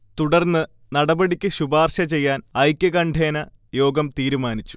തുടർന്ന് നടപടിക്ക് ശുപാർശചെയ്യാൻ ഐക്യകണ്ഡേന യോഗം തീരുമാനിച്ചു